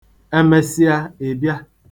Emesịa, ị bịa.